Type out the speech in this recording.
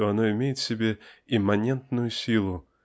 что оно имеет в себе имманентную силу